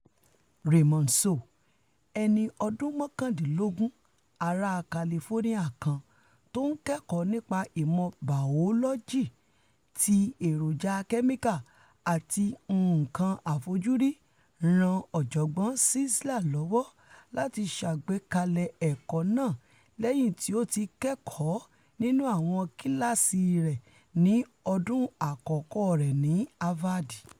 Raymond So, ẹni ọdún mọ́kàndínlógún ara California kan tó ńkẹ̀kọ̀ọ́ nípa ìmọ̀ bàọ́lọ́jì tí èròjà kẹ́míkà àti nǹkan àfojúri, ràn Ọ̀jọ̀gbọ́n Czeisler lọ́wọ́ láti ṣàgbékalẹ̀ ẹ̀kọ́ náà lẹ́yìn tí o ti kẹ́kọ̀ọ́ nínú àwọn kíláàsì rẹ̀ ni ọdún àkọ́kọ́ rẹ̀ ní Havard.